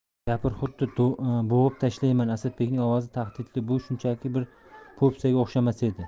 gapir xuddi bo'g'ib tashlayman asadbekning ovozi tahdidli bu shunchaki bir po'pisaga o'xshamas edi